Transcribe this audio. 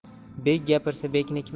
bek gapirsa bekniki